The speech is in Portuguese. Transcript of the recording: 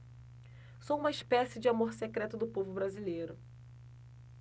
sou uma espécie de amor secreto do povo brasileiro